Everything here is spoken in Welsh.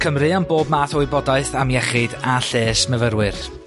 Cymru am bob math o wybodaeth am iechyd a lles myfyrwyr.